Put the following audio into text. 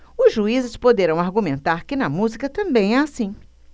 os juízes poderão argumentar que na música também é assim